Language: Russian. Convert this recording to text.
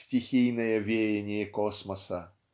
стихийное веяние космоса.